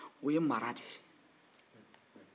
o ye mara de ye